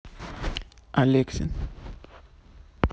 алексин